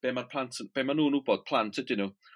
be ma'r plant yn... Be ma'n nhw'n wbod plant ydyn nhw.